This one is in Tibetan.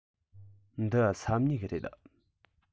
འདི ས སྨྱུག རེད